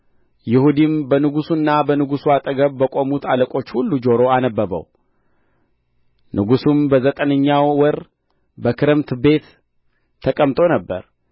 ይሁዲም በንጉሡና በንጉሡ አጠገብ በቆሙት አለቆች ሁሉ ጆሮ አነበበው ንጉሡም በዘጠነኛው ወር በክረምት ቤት ተቀምጦ ነበር